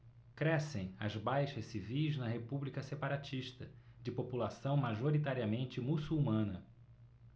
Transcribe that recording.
crescem as baixas civis na república separatista de população majoritariamente muçulmana